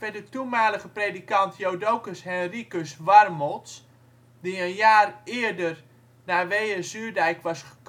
de toenmalige predikant Jodokus Henricus Warmolts die een jaar eerder naar Wehe-Zuurdijk was